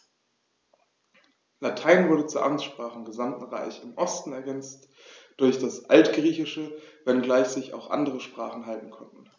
Latein wurde zur Amtssprache im gesamten Reich (im Osten ergänzt durch das Altgriechische), wenngleich sich auch andere Sprachen halten konnten.